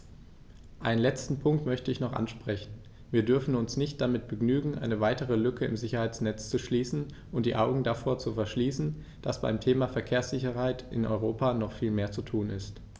Einen letzten Punkt möchte ich noch ansprechen: Wir dürfen uns nicht damit begnügen, eine weitere Lücke im Sicherheitsnetz zu schließen und die Augen davor zu verschließen, dass beim Thema Verkehrssicherheit in Europa noch viel mehr zu tun ist.